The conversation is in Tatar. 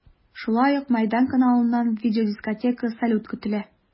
Шулай ук “Мәйдан” каналыннан видеодискотека, салют көтелә.